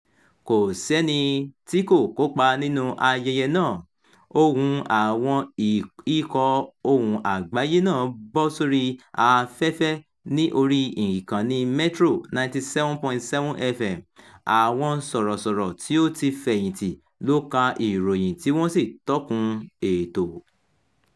Kò sẹ́ni tí kò kópa nínú ayẹyẹ náà. Ohùn àwọn ikọ̀ Ohùn Àgbáyé náà bọ́ sórí afẹ́fẹ́ ní orí ìkànnì Metro 97.7FM. Àwọn sọ̀rọ̀sọ̀rọ̀ tí ó ti fẹ̀yìntì ló ka ìròyìn tí wọ́n sì tọ́kùn ètò.